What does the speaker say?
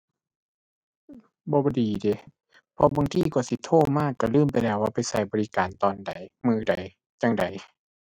บ่ดีเดะ เพราะบางทีกว่าสิโทรมาก็ลืมไปแล้วว่าไปก็บริการตอนใด มื้อใด จั่งใด